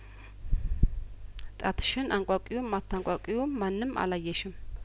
ጣትሽን አንቋቂውም አታንቋቂውም ማንም አላየሽም